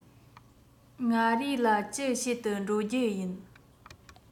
མངའ རིས ལ ཅི བྱེད དུ འགྲོ རྒྱུ ཡིན